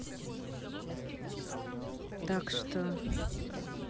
так что